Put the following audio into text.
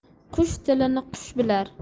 qush tilini qush bilar